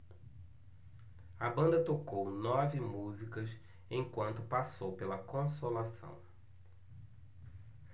a banda tocou nove músicas enquanto passou pela consolação